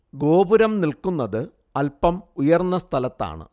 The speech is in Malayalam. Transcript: ഗോപുരം നിൽക്കുന്നത് അല്പം ഉയർന്ന സ്ഥലത്താണ്